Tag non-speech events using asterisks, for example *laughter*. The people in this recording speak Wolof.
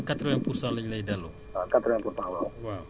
yow luy li nga ci dépensé woon *noise* quatre vingt pour cent la ñu lay delloo